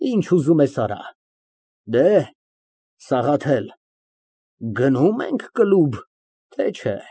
Ինչ ուզում ես, արա։ Դեհ Սաղաթել, գնո՞ւմ ենք կլուբ, թե չէ։